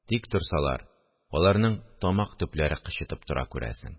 Тик торсалар, аларның тамак төпләре кычытып тора, күрәсең